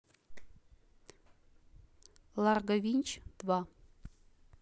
ларго винч два